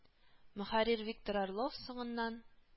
Мөхәррир виктор орлов, соңыннан